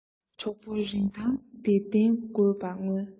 གྲོགས པོའི རིན ཐང འདི རྟེན དགོས པར མངོན